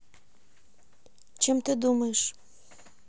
чем ты думаешь